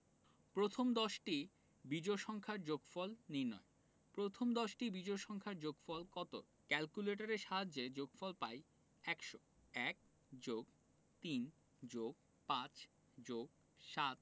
প্রথম দশটি বিজোড় সংখ্যার যোগফল নির্ণয় প্রথম দশটি বিজোড় সংখ্যার যোগফল কত ক্যালকুলেটরের সাহায্যে যোগফল পাই ১০০ ১+৩+৫+৭